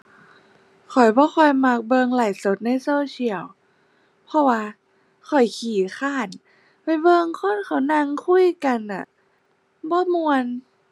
ข้อยบ่ค่อยมักเบิ่งไลฟ์สดในโซเชียล เพราะว่าข้อยขี้คร้านไปเบิ่งคนเขานั่งคุยกันน่ะ บ่ม่วน